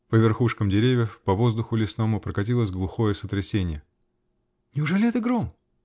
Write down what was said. По верхушкам деревьев, по воздуху лесному, прокатилось глухое сотрясение .-- Неужели это гром?